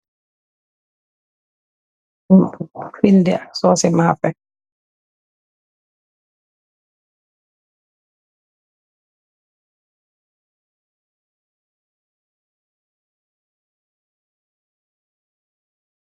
Barab buj def socci mafeh.